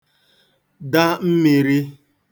da mmīrī